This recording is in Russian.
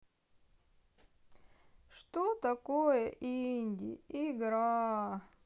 что такое инди игра